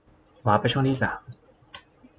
วาปไปช่องที่สาม